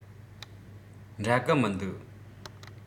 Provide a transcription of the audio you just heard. འདྲ གི མི འདུག